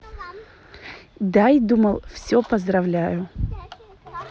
дай думал все поздравляю